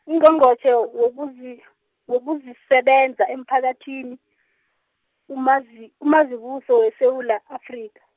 Ungqongqotjhe wokuzi- wokuzisebenza emphakathini, uMazi- uMazibuse weSewula Afrika.